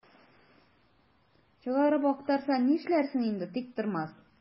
Чыгарып актарса, нишләрсең инде, Тиктормас?